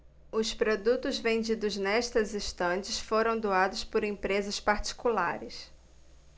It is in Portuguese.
os produtos vendidos nestas estantes foram doados por empresas particulares